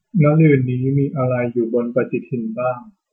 มะรืนนี้มีอะไรอยู่บนปฎิทินบ้าง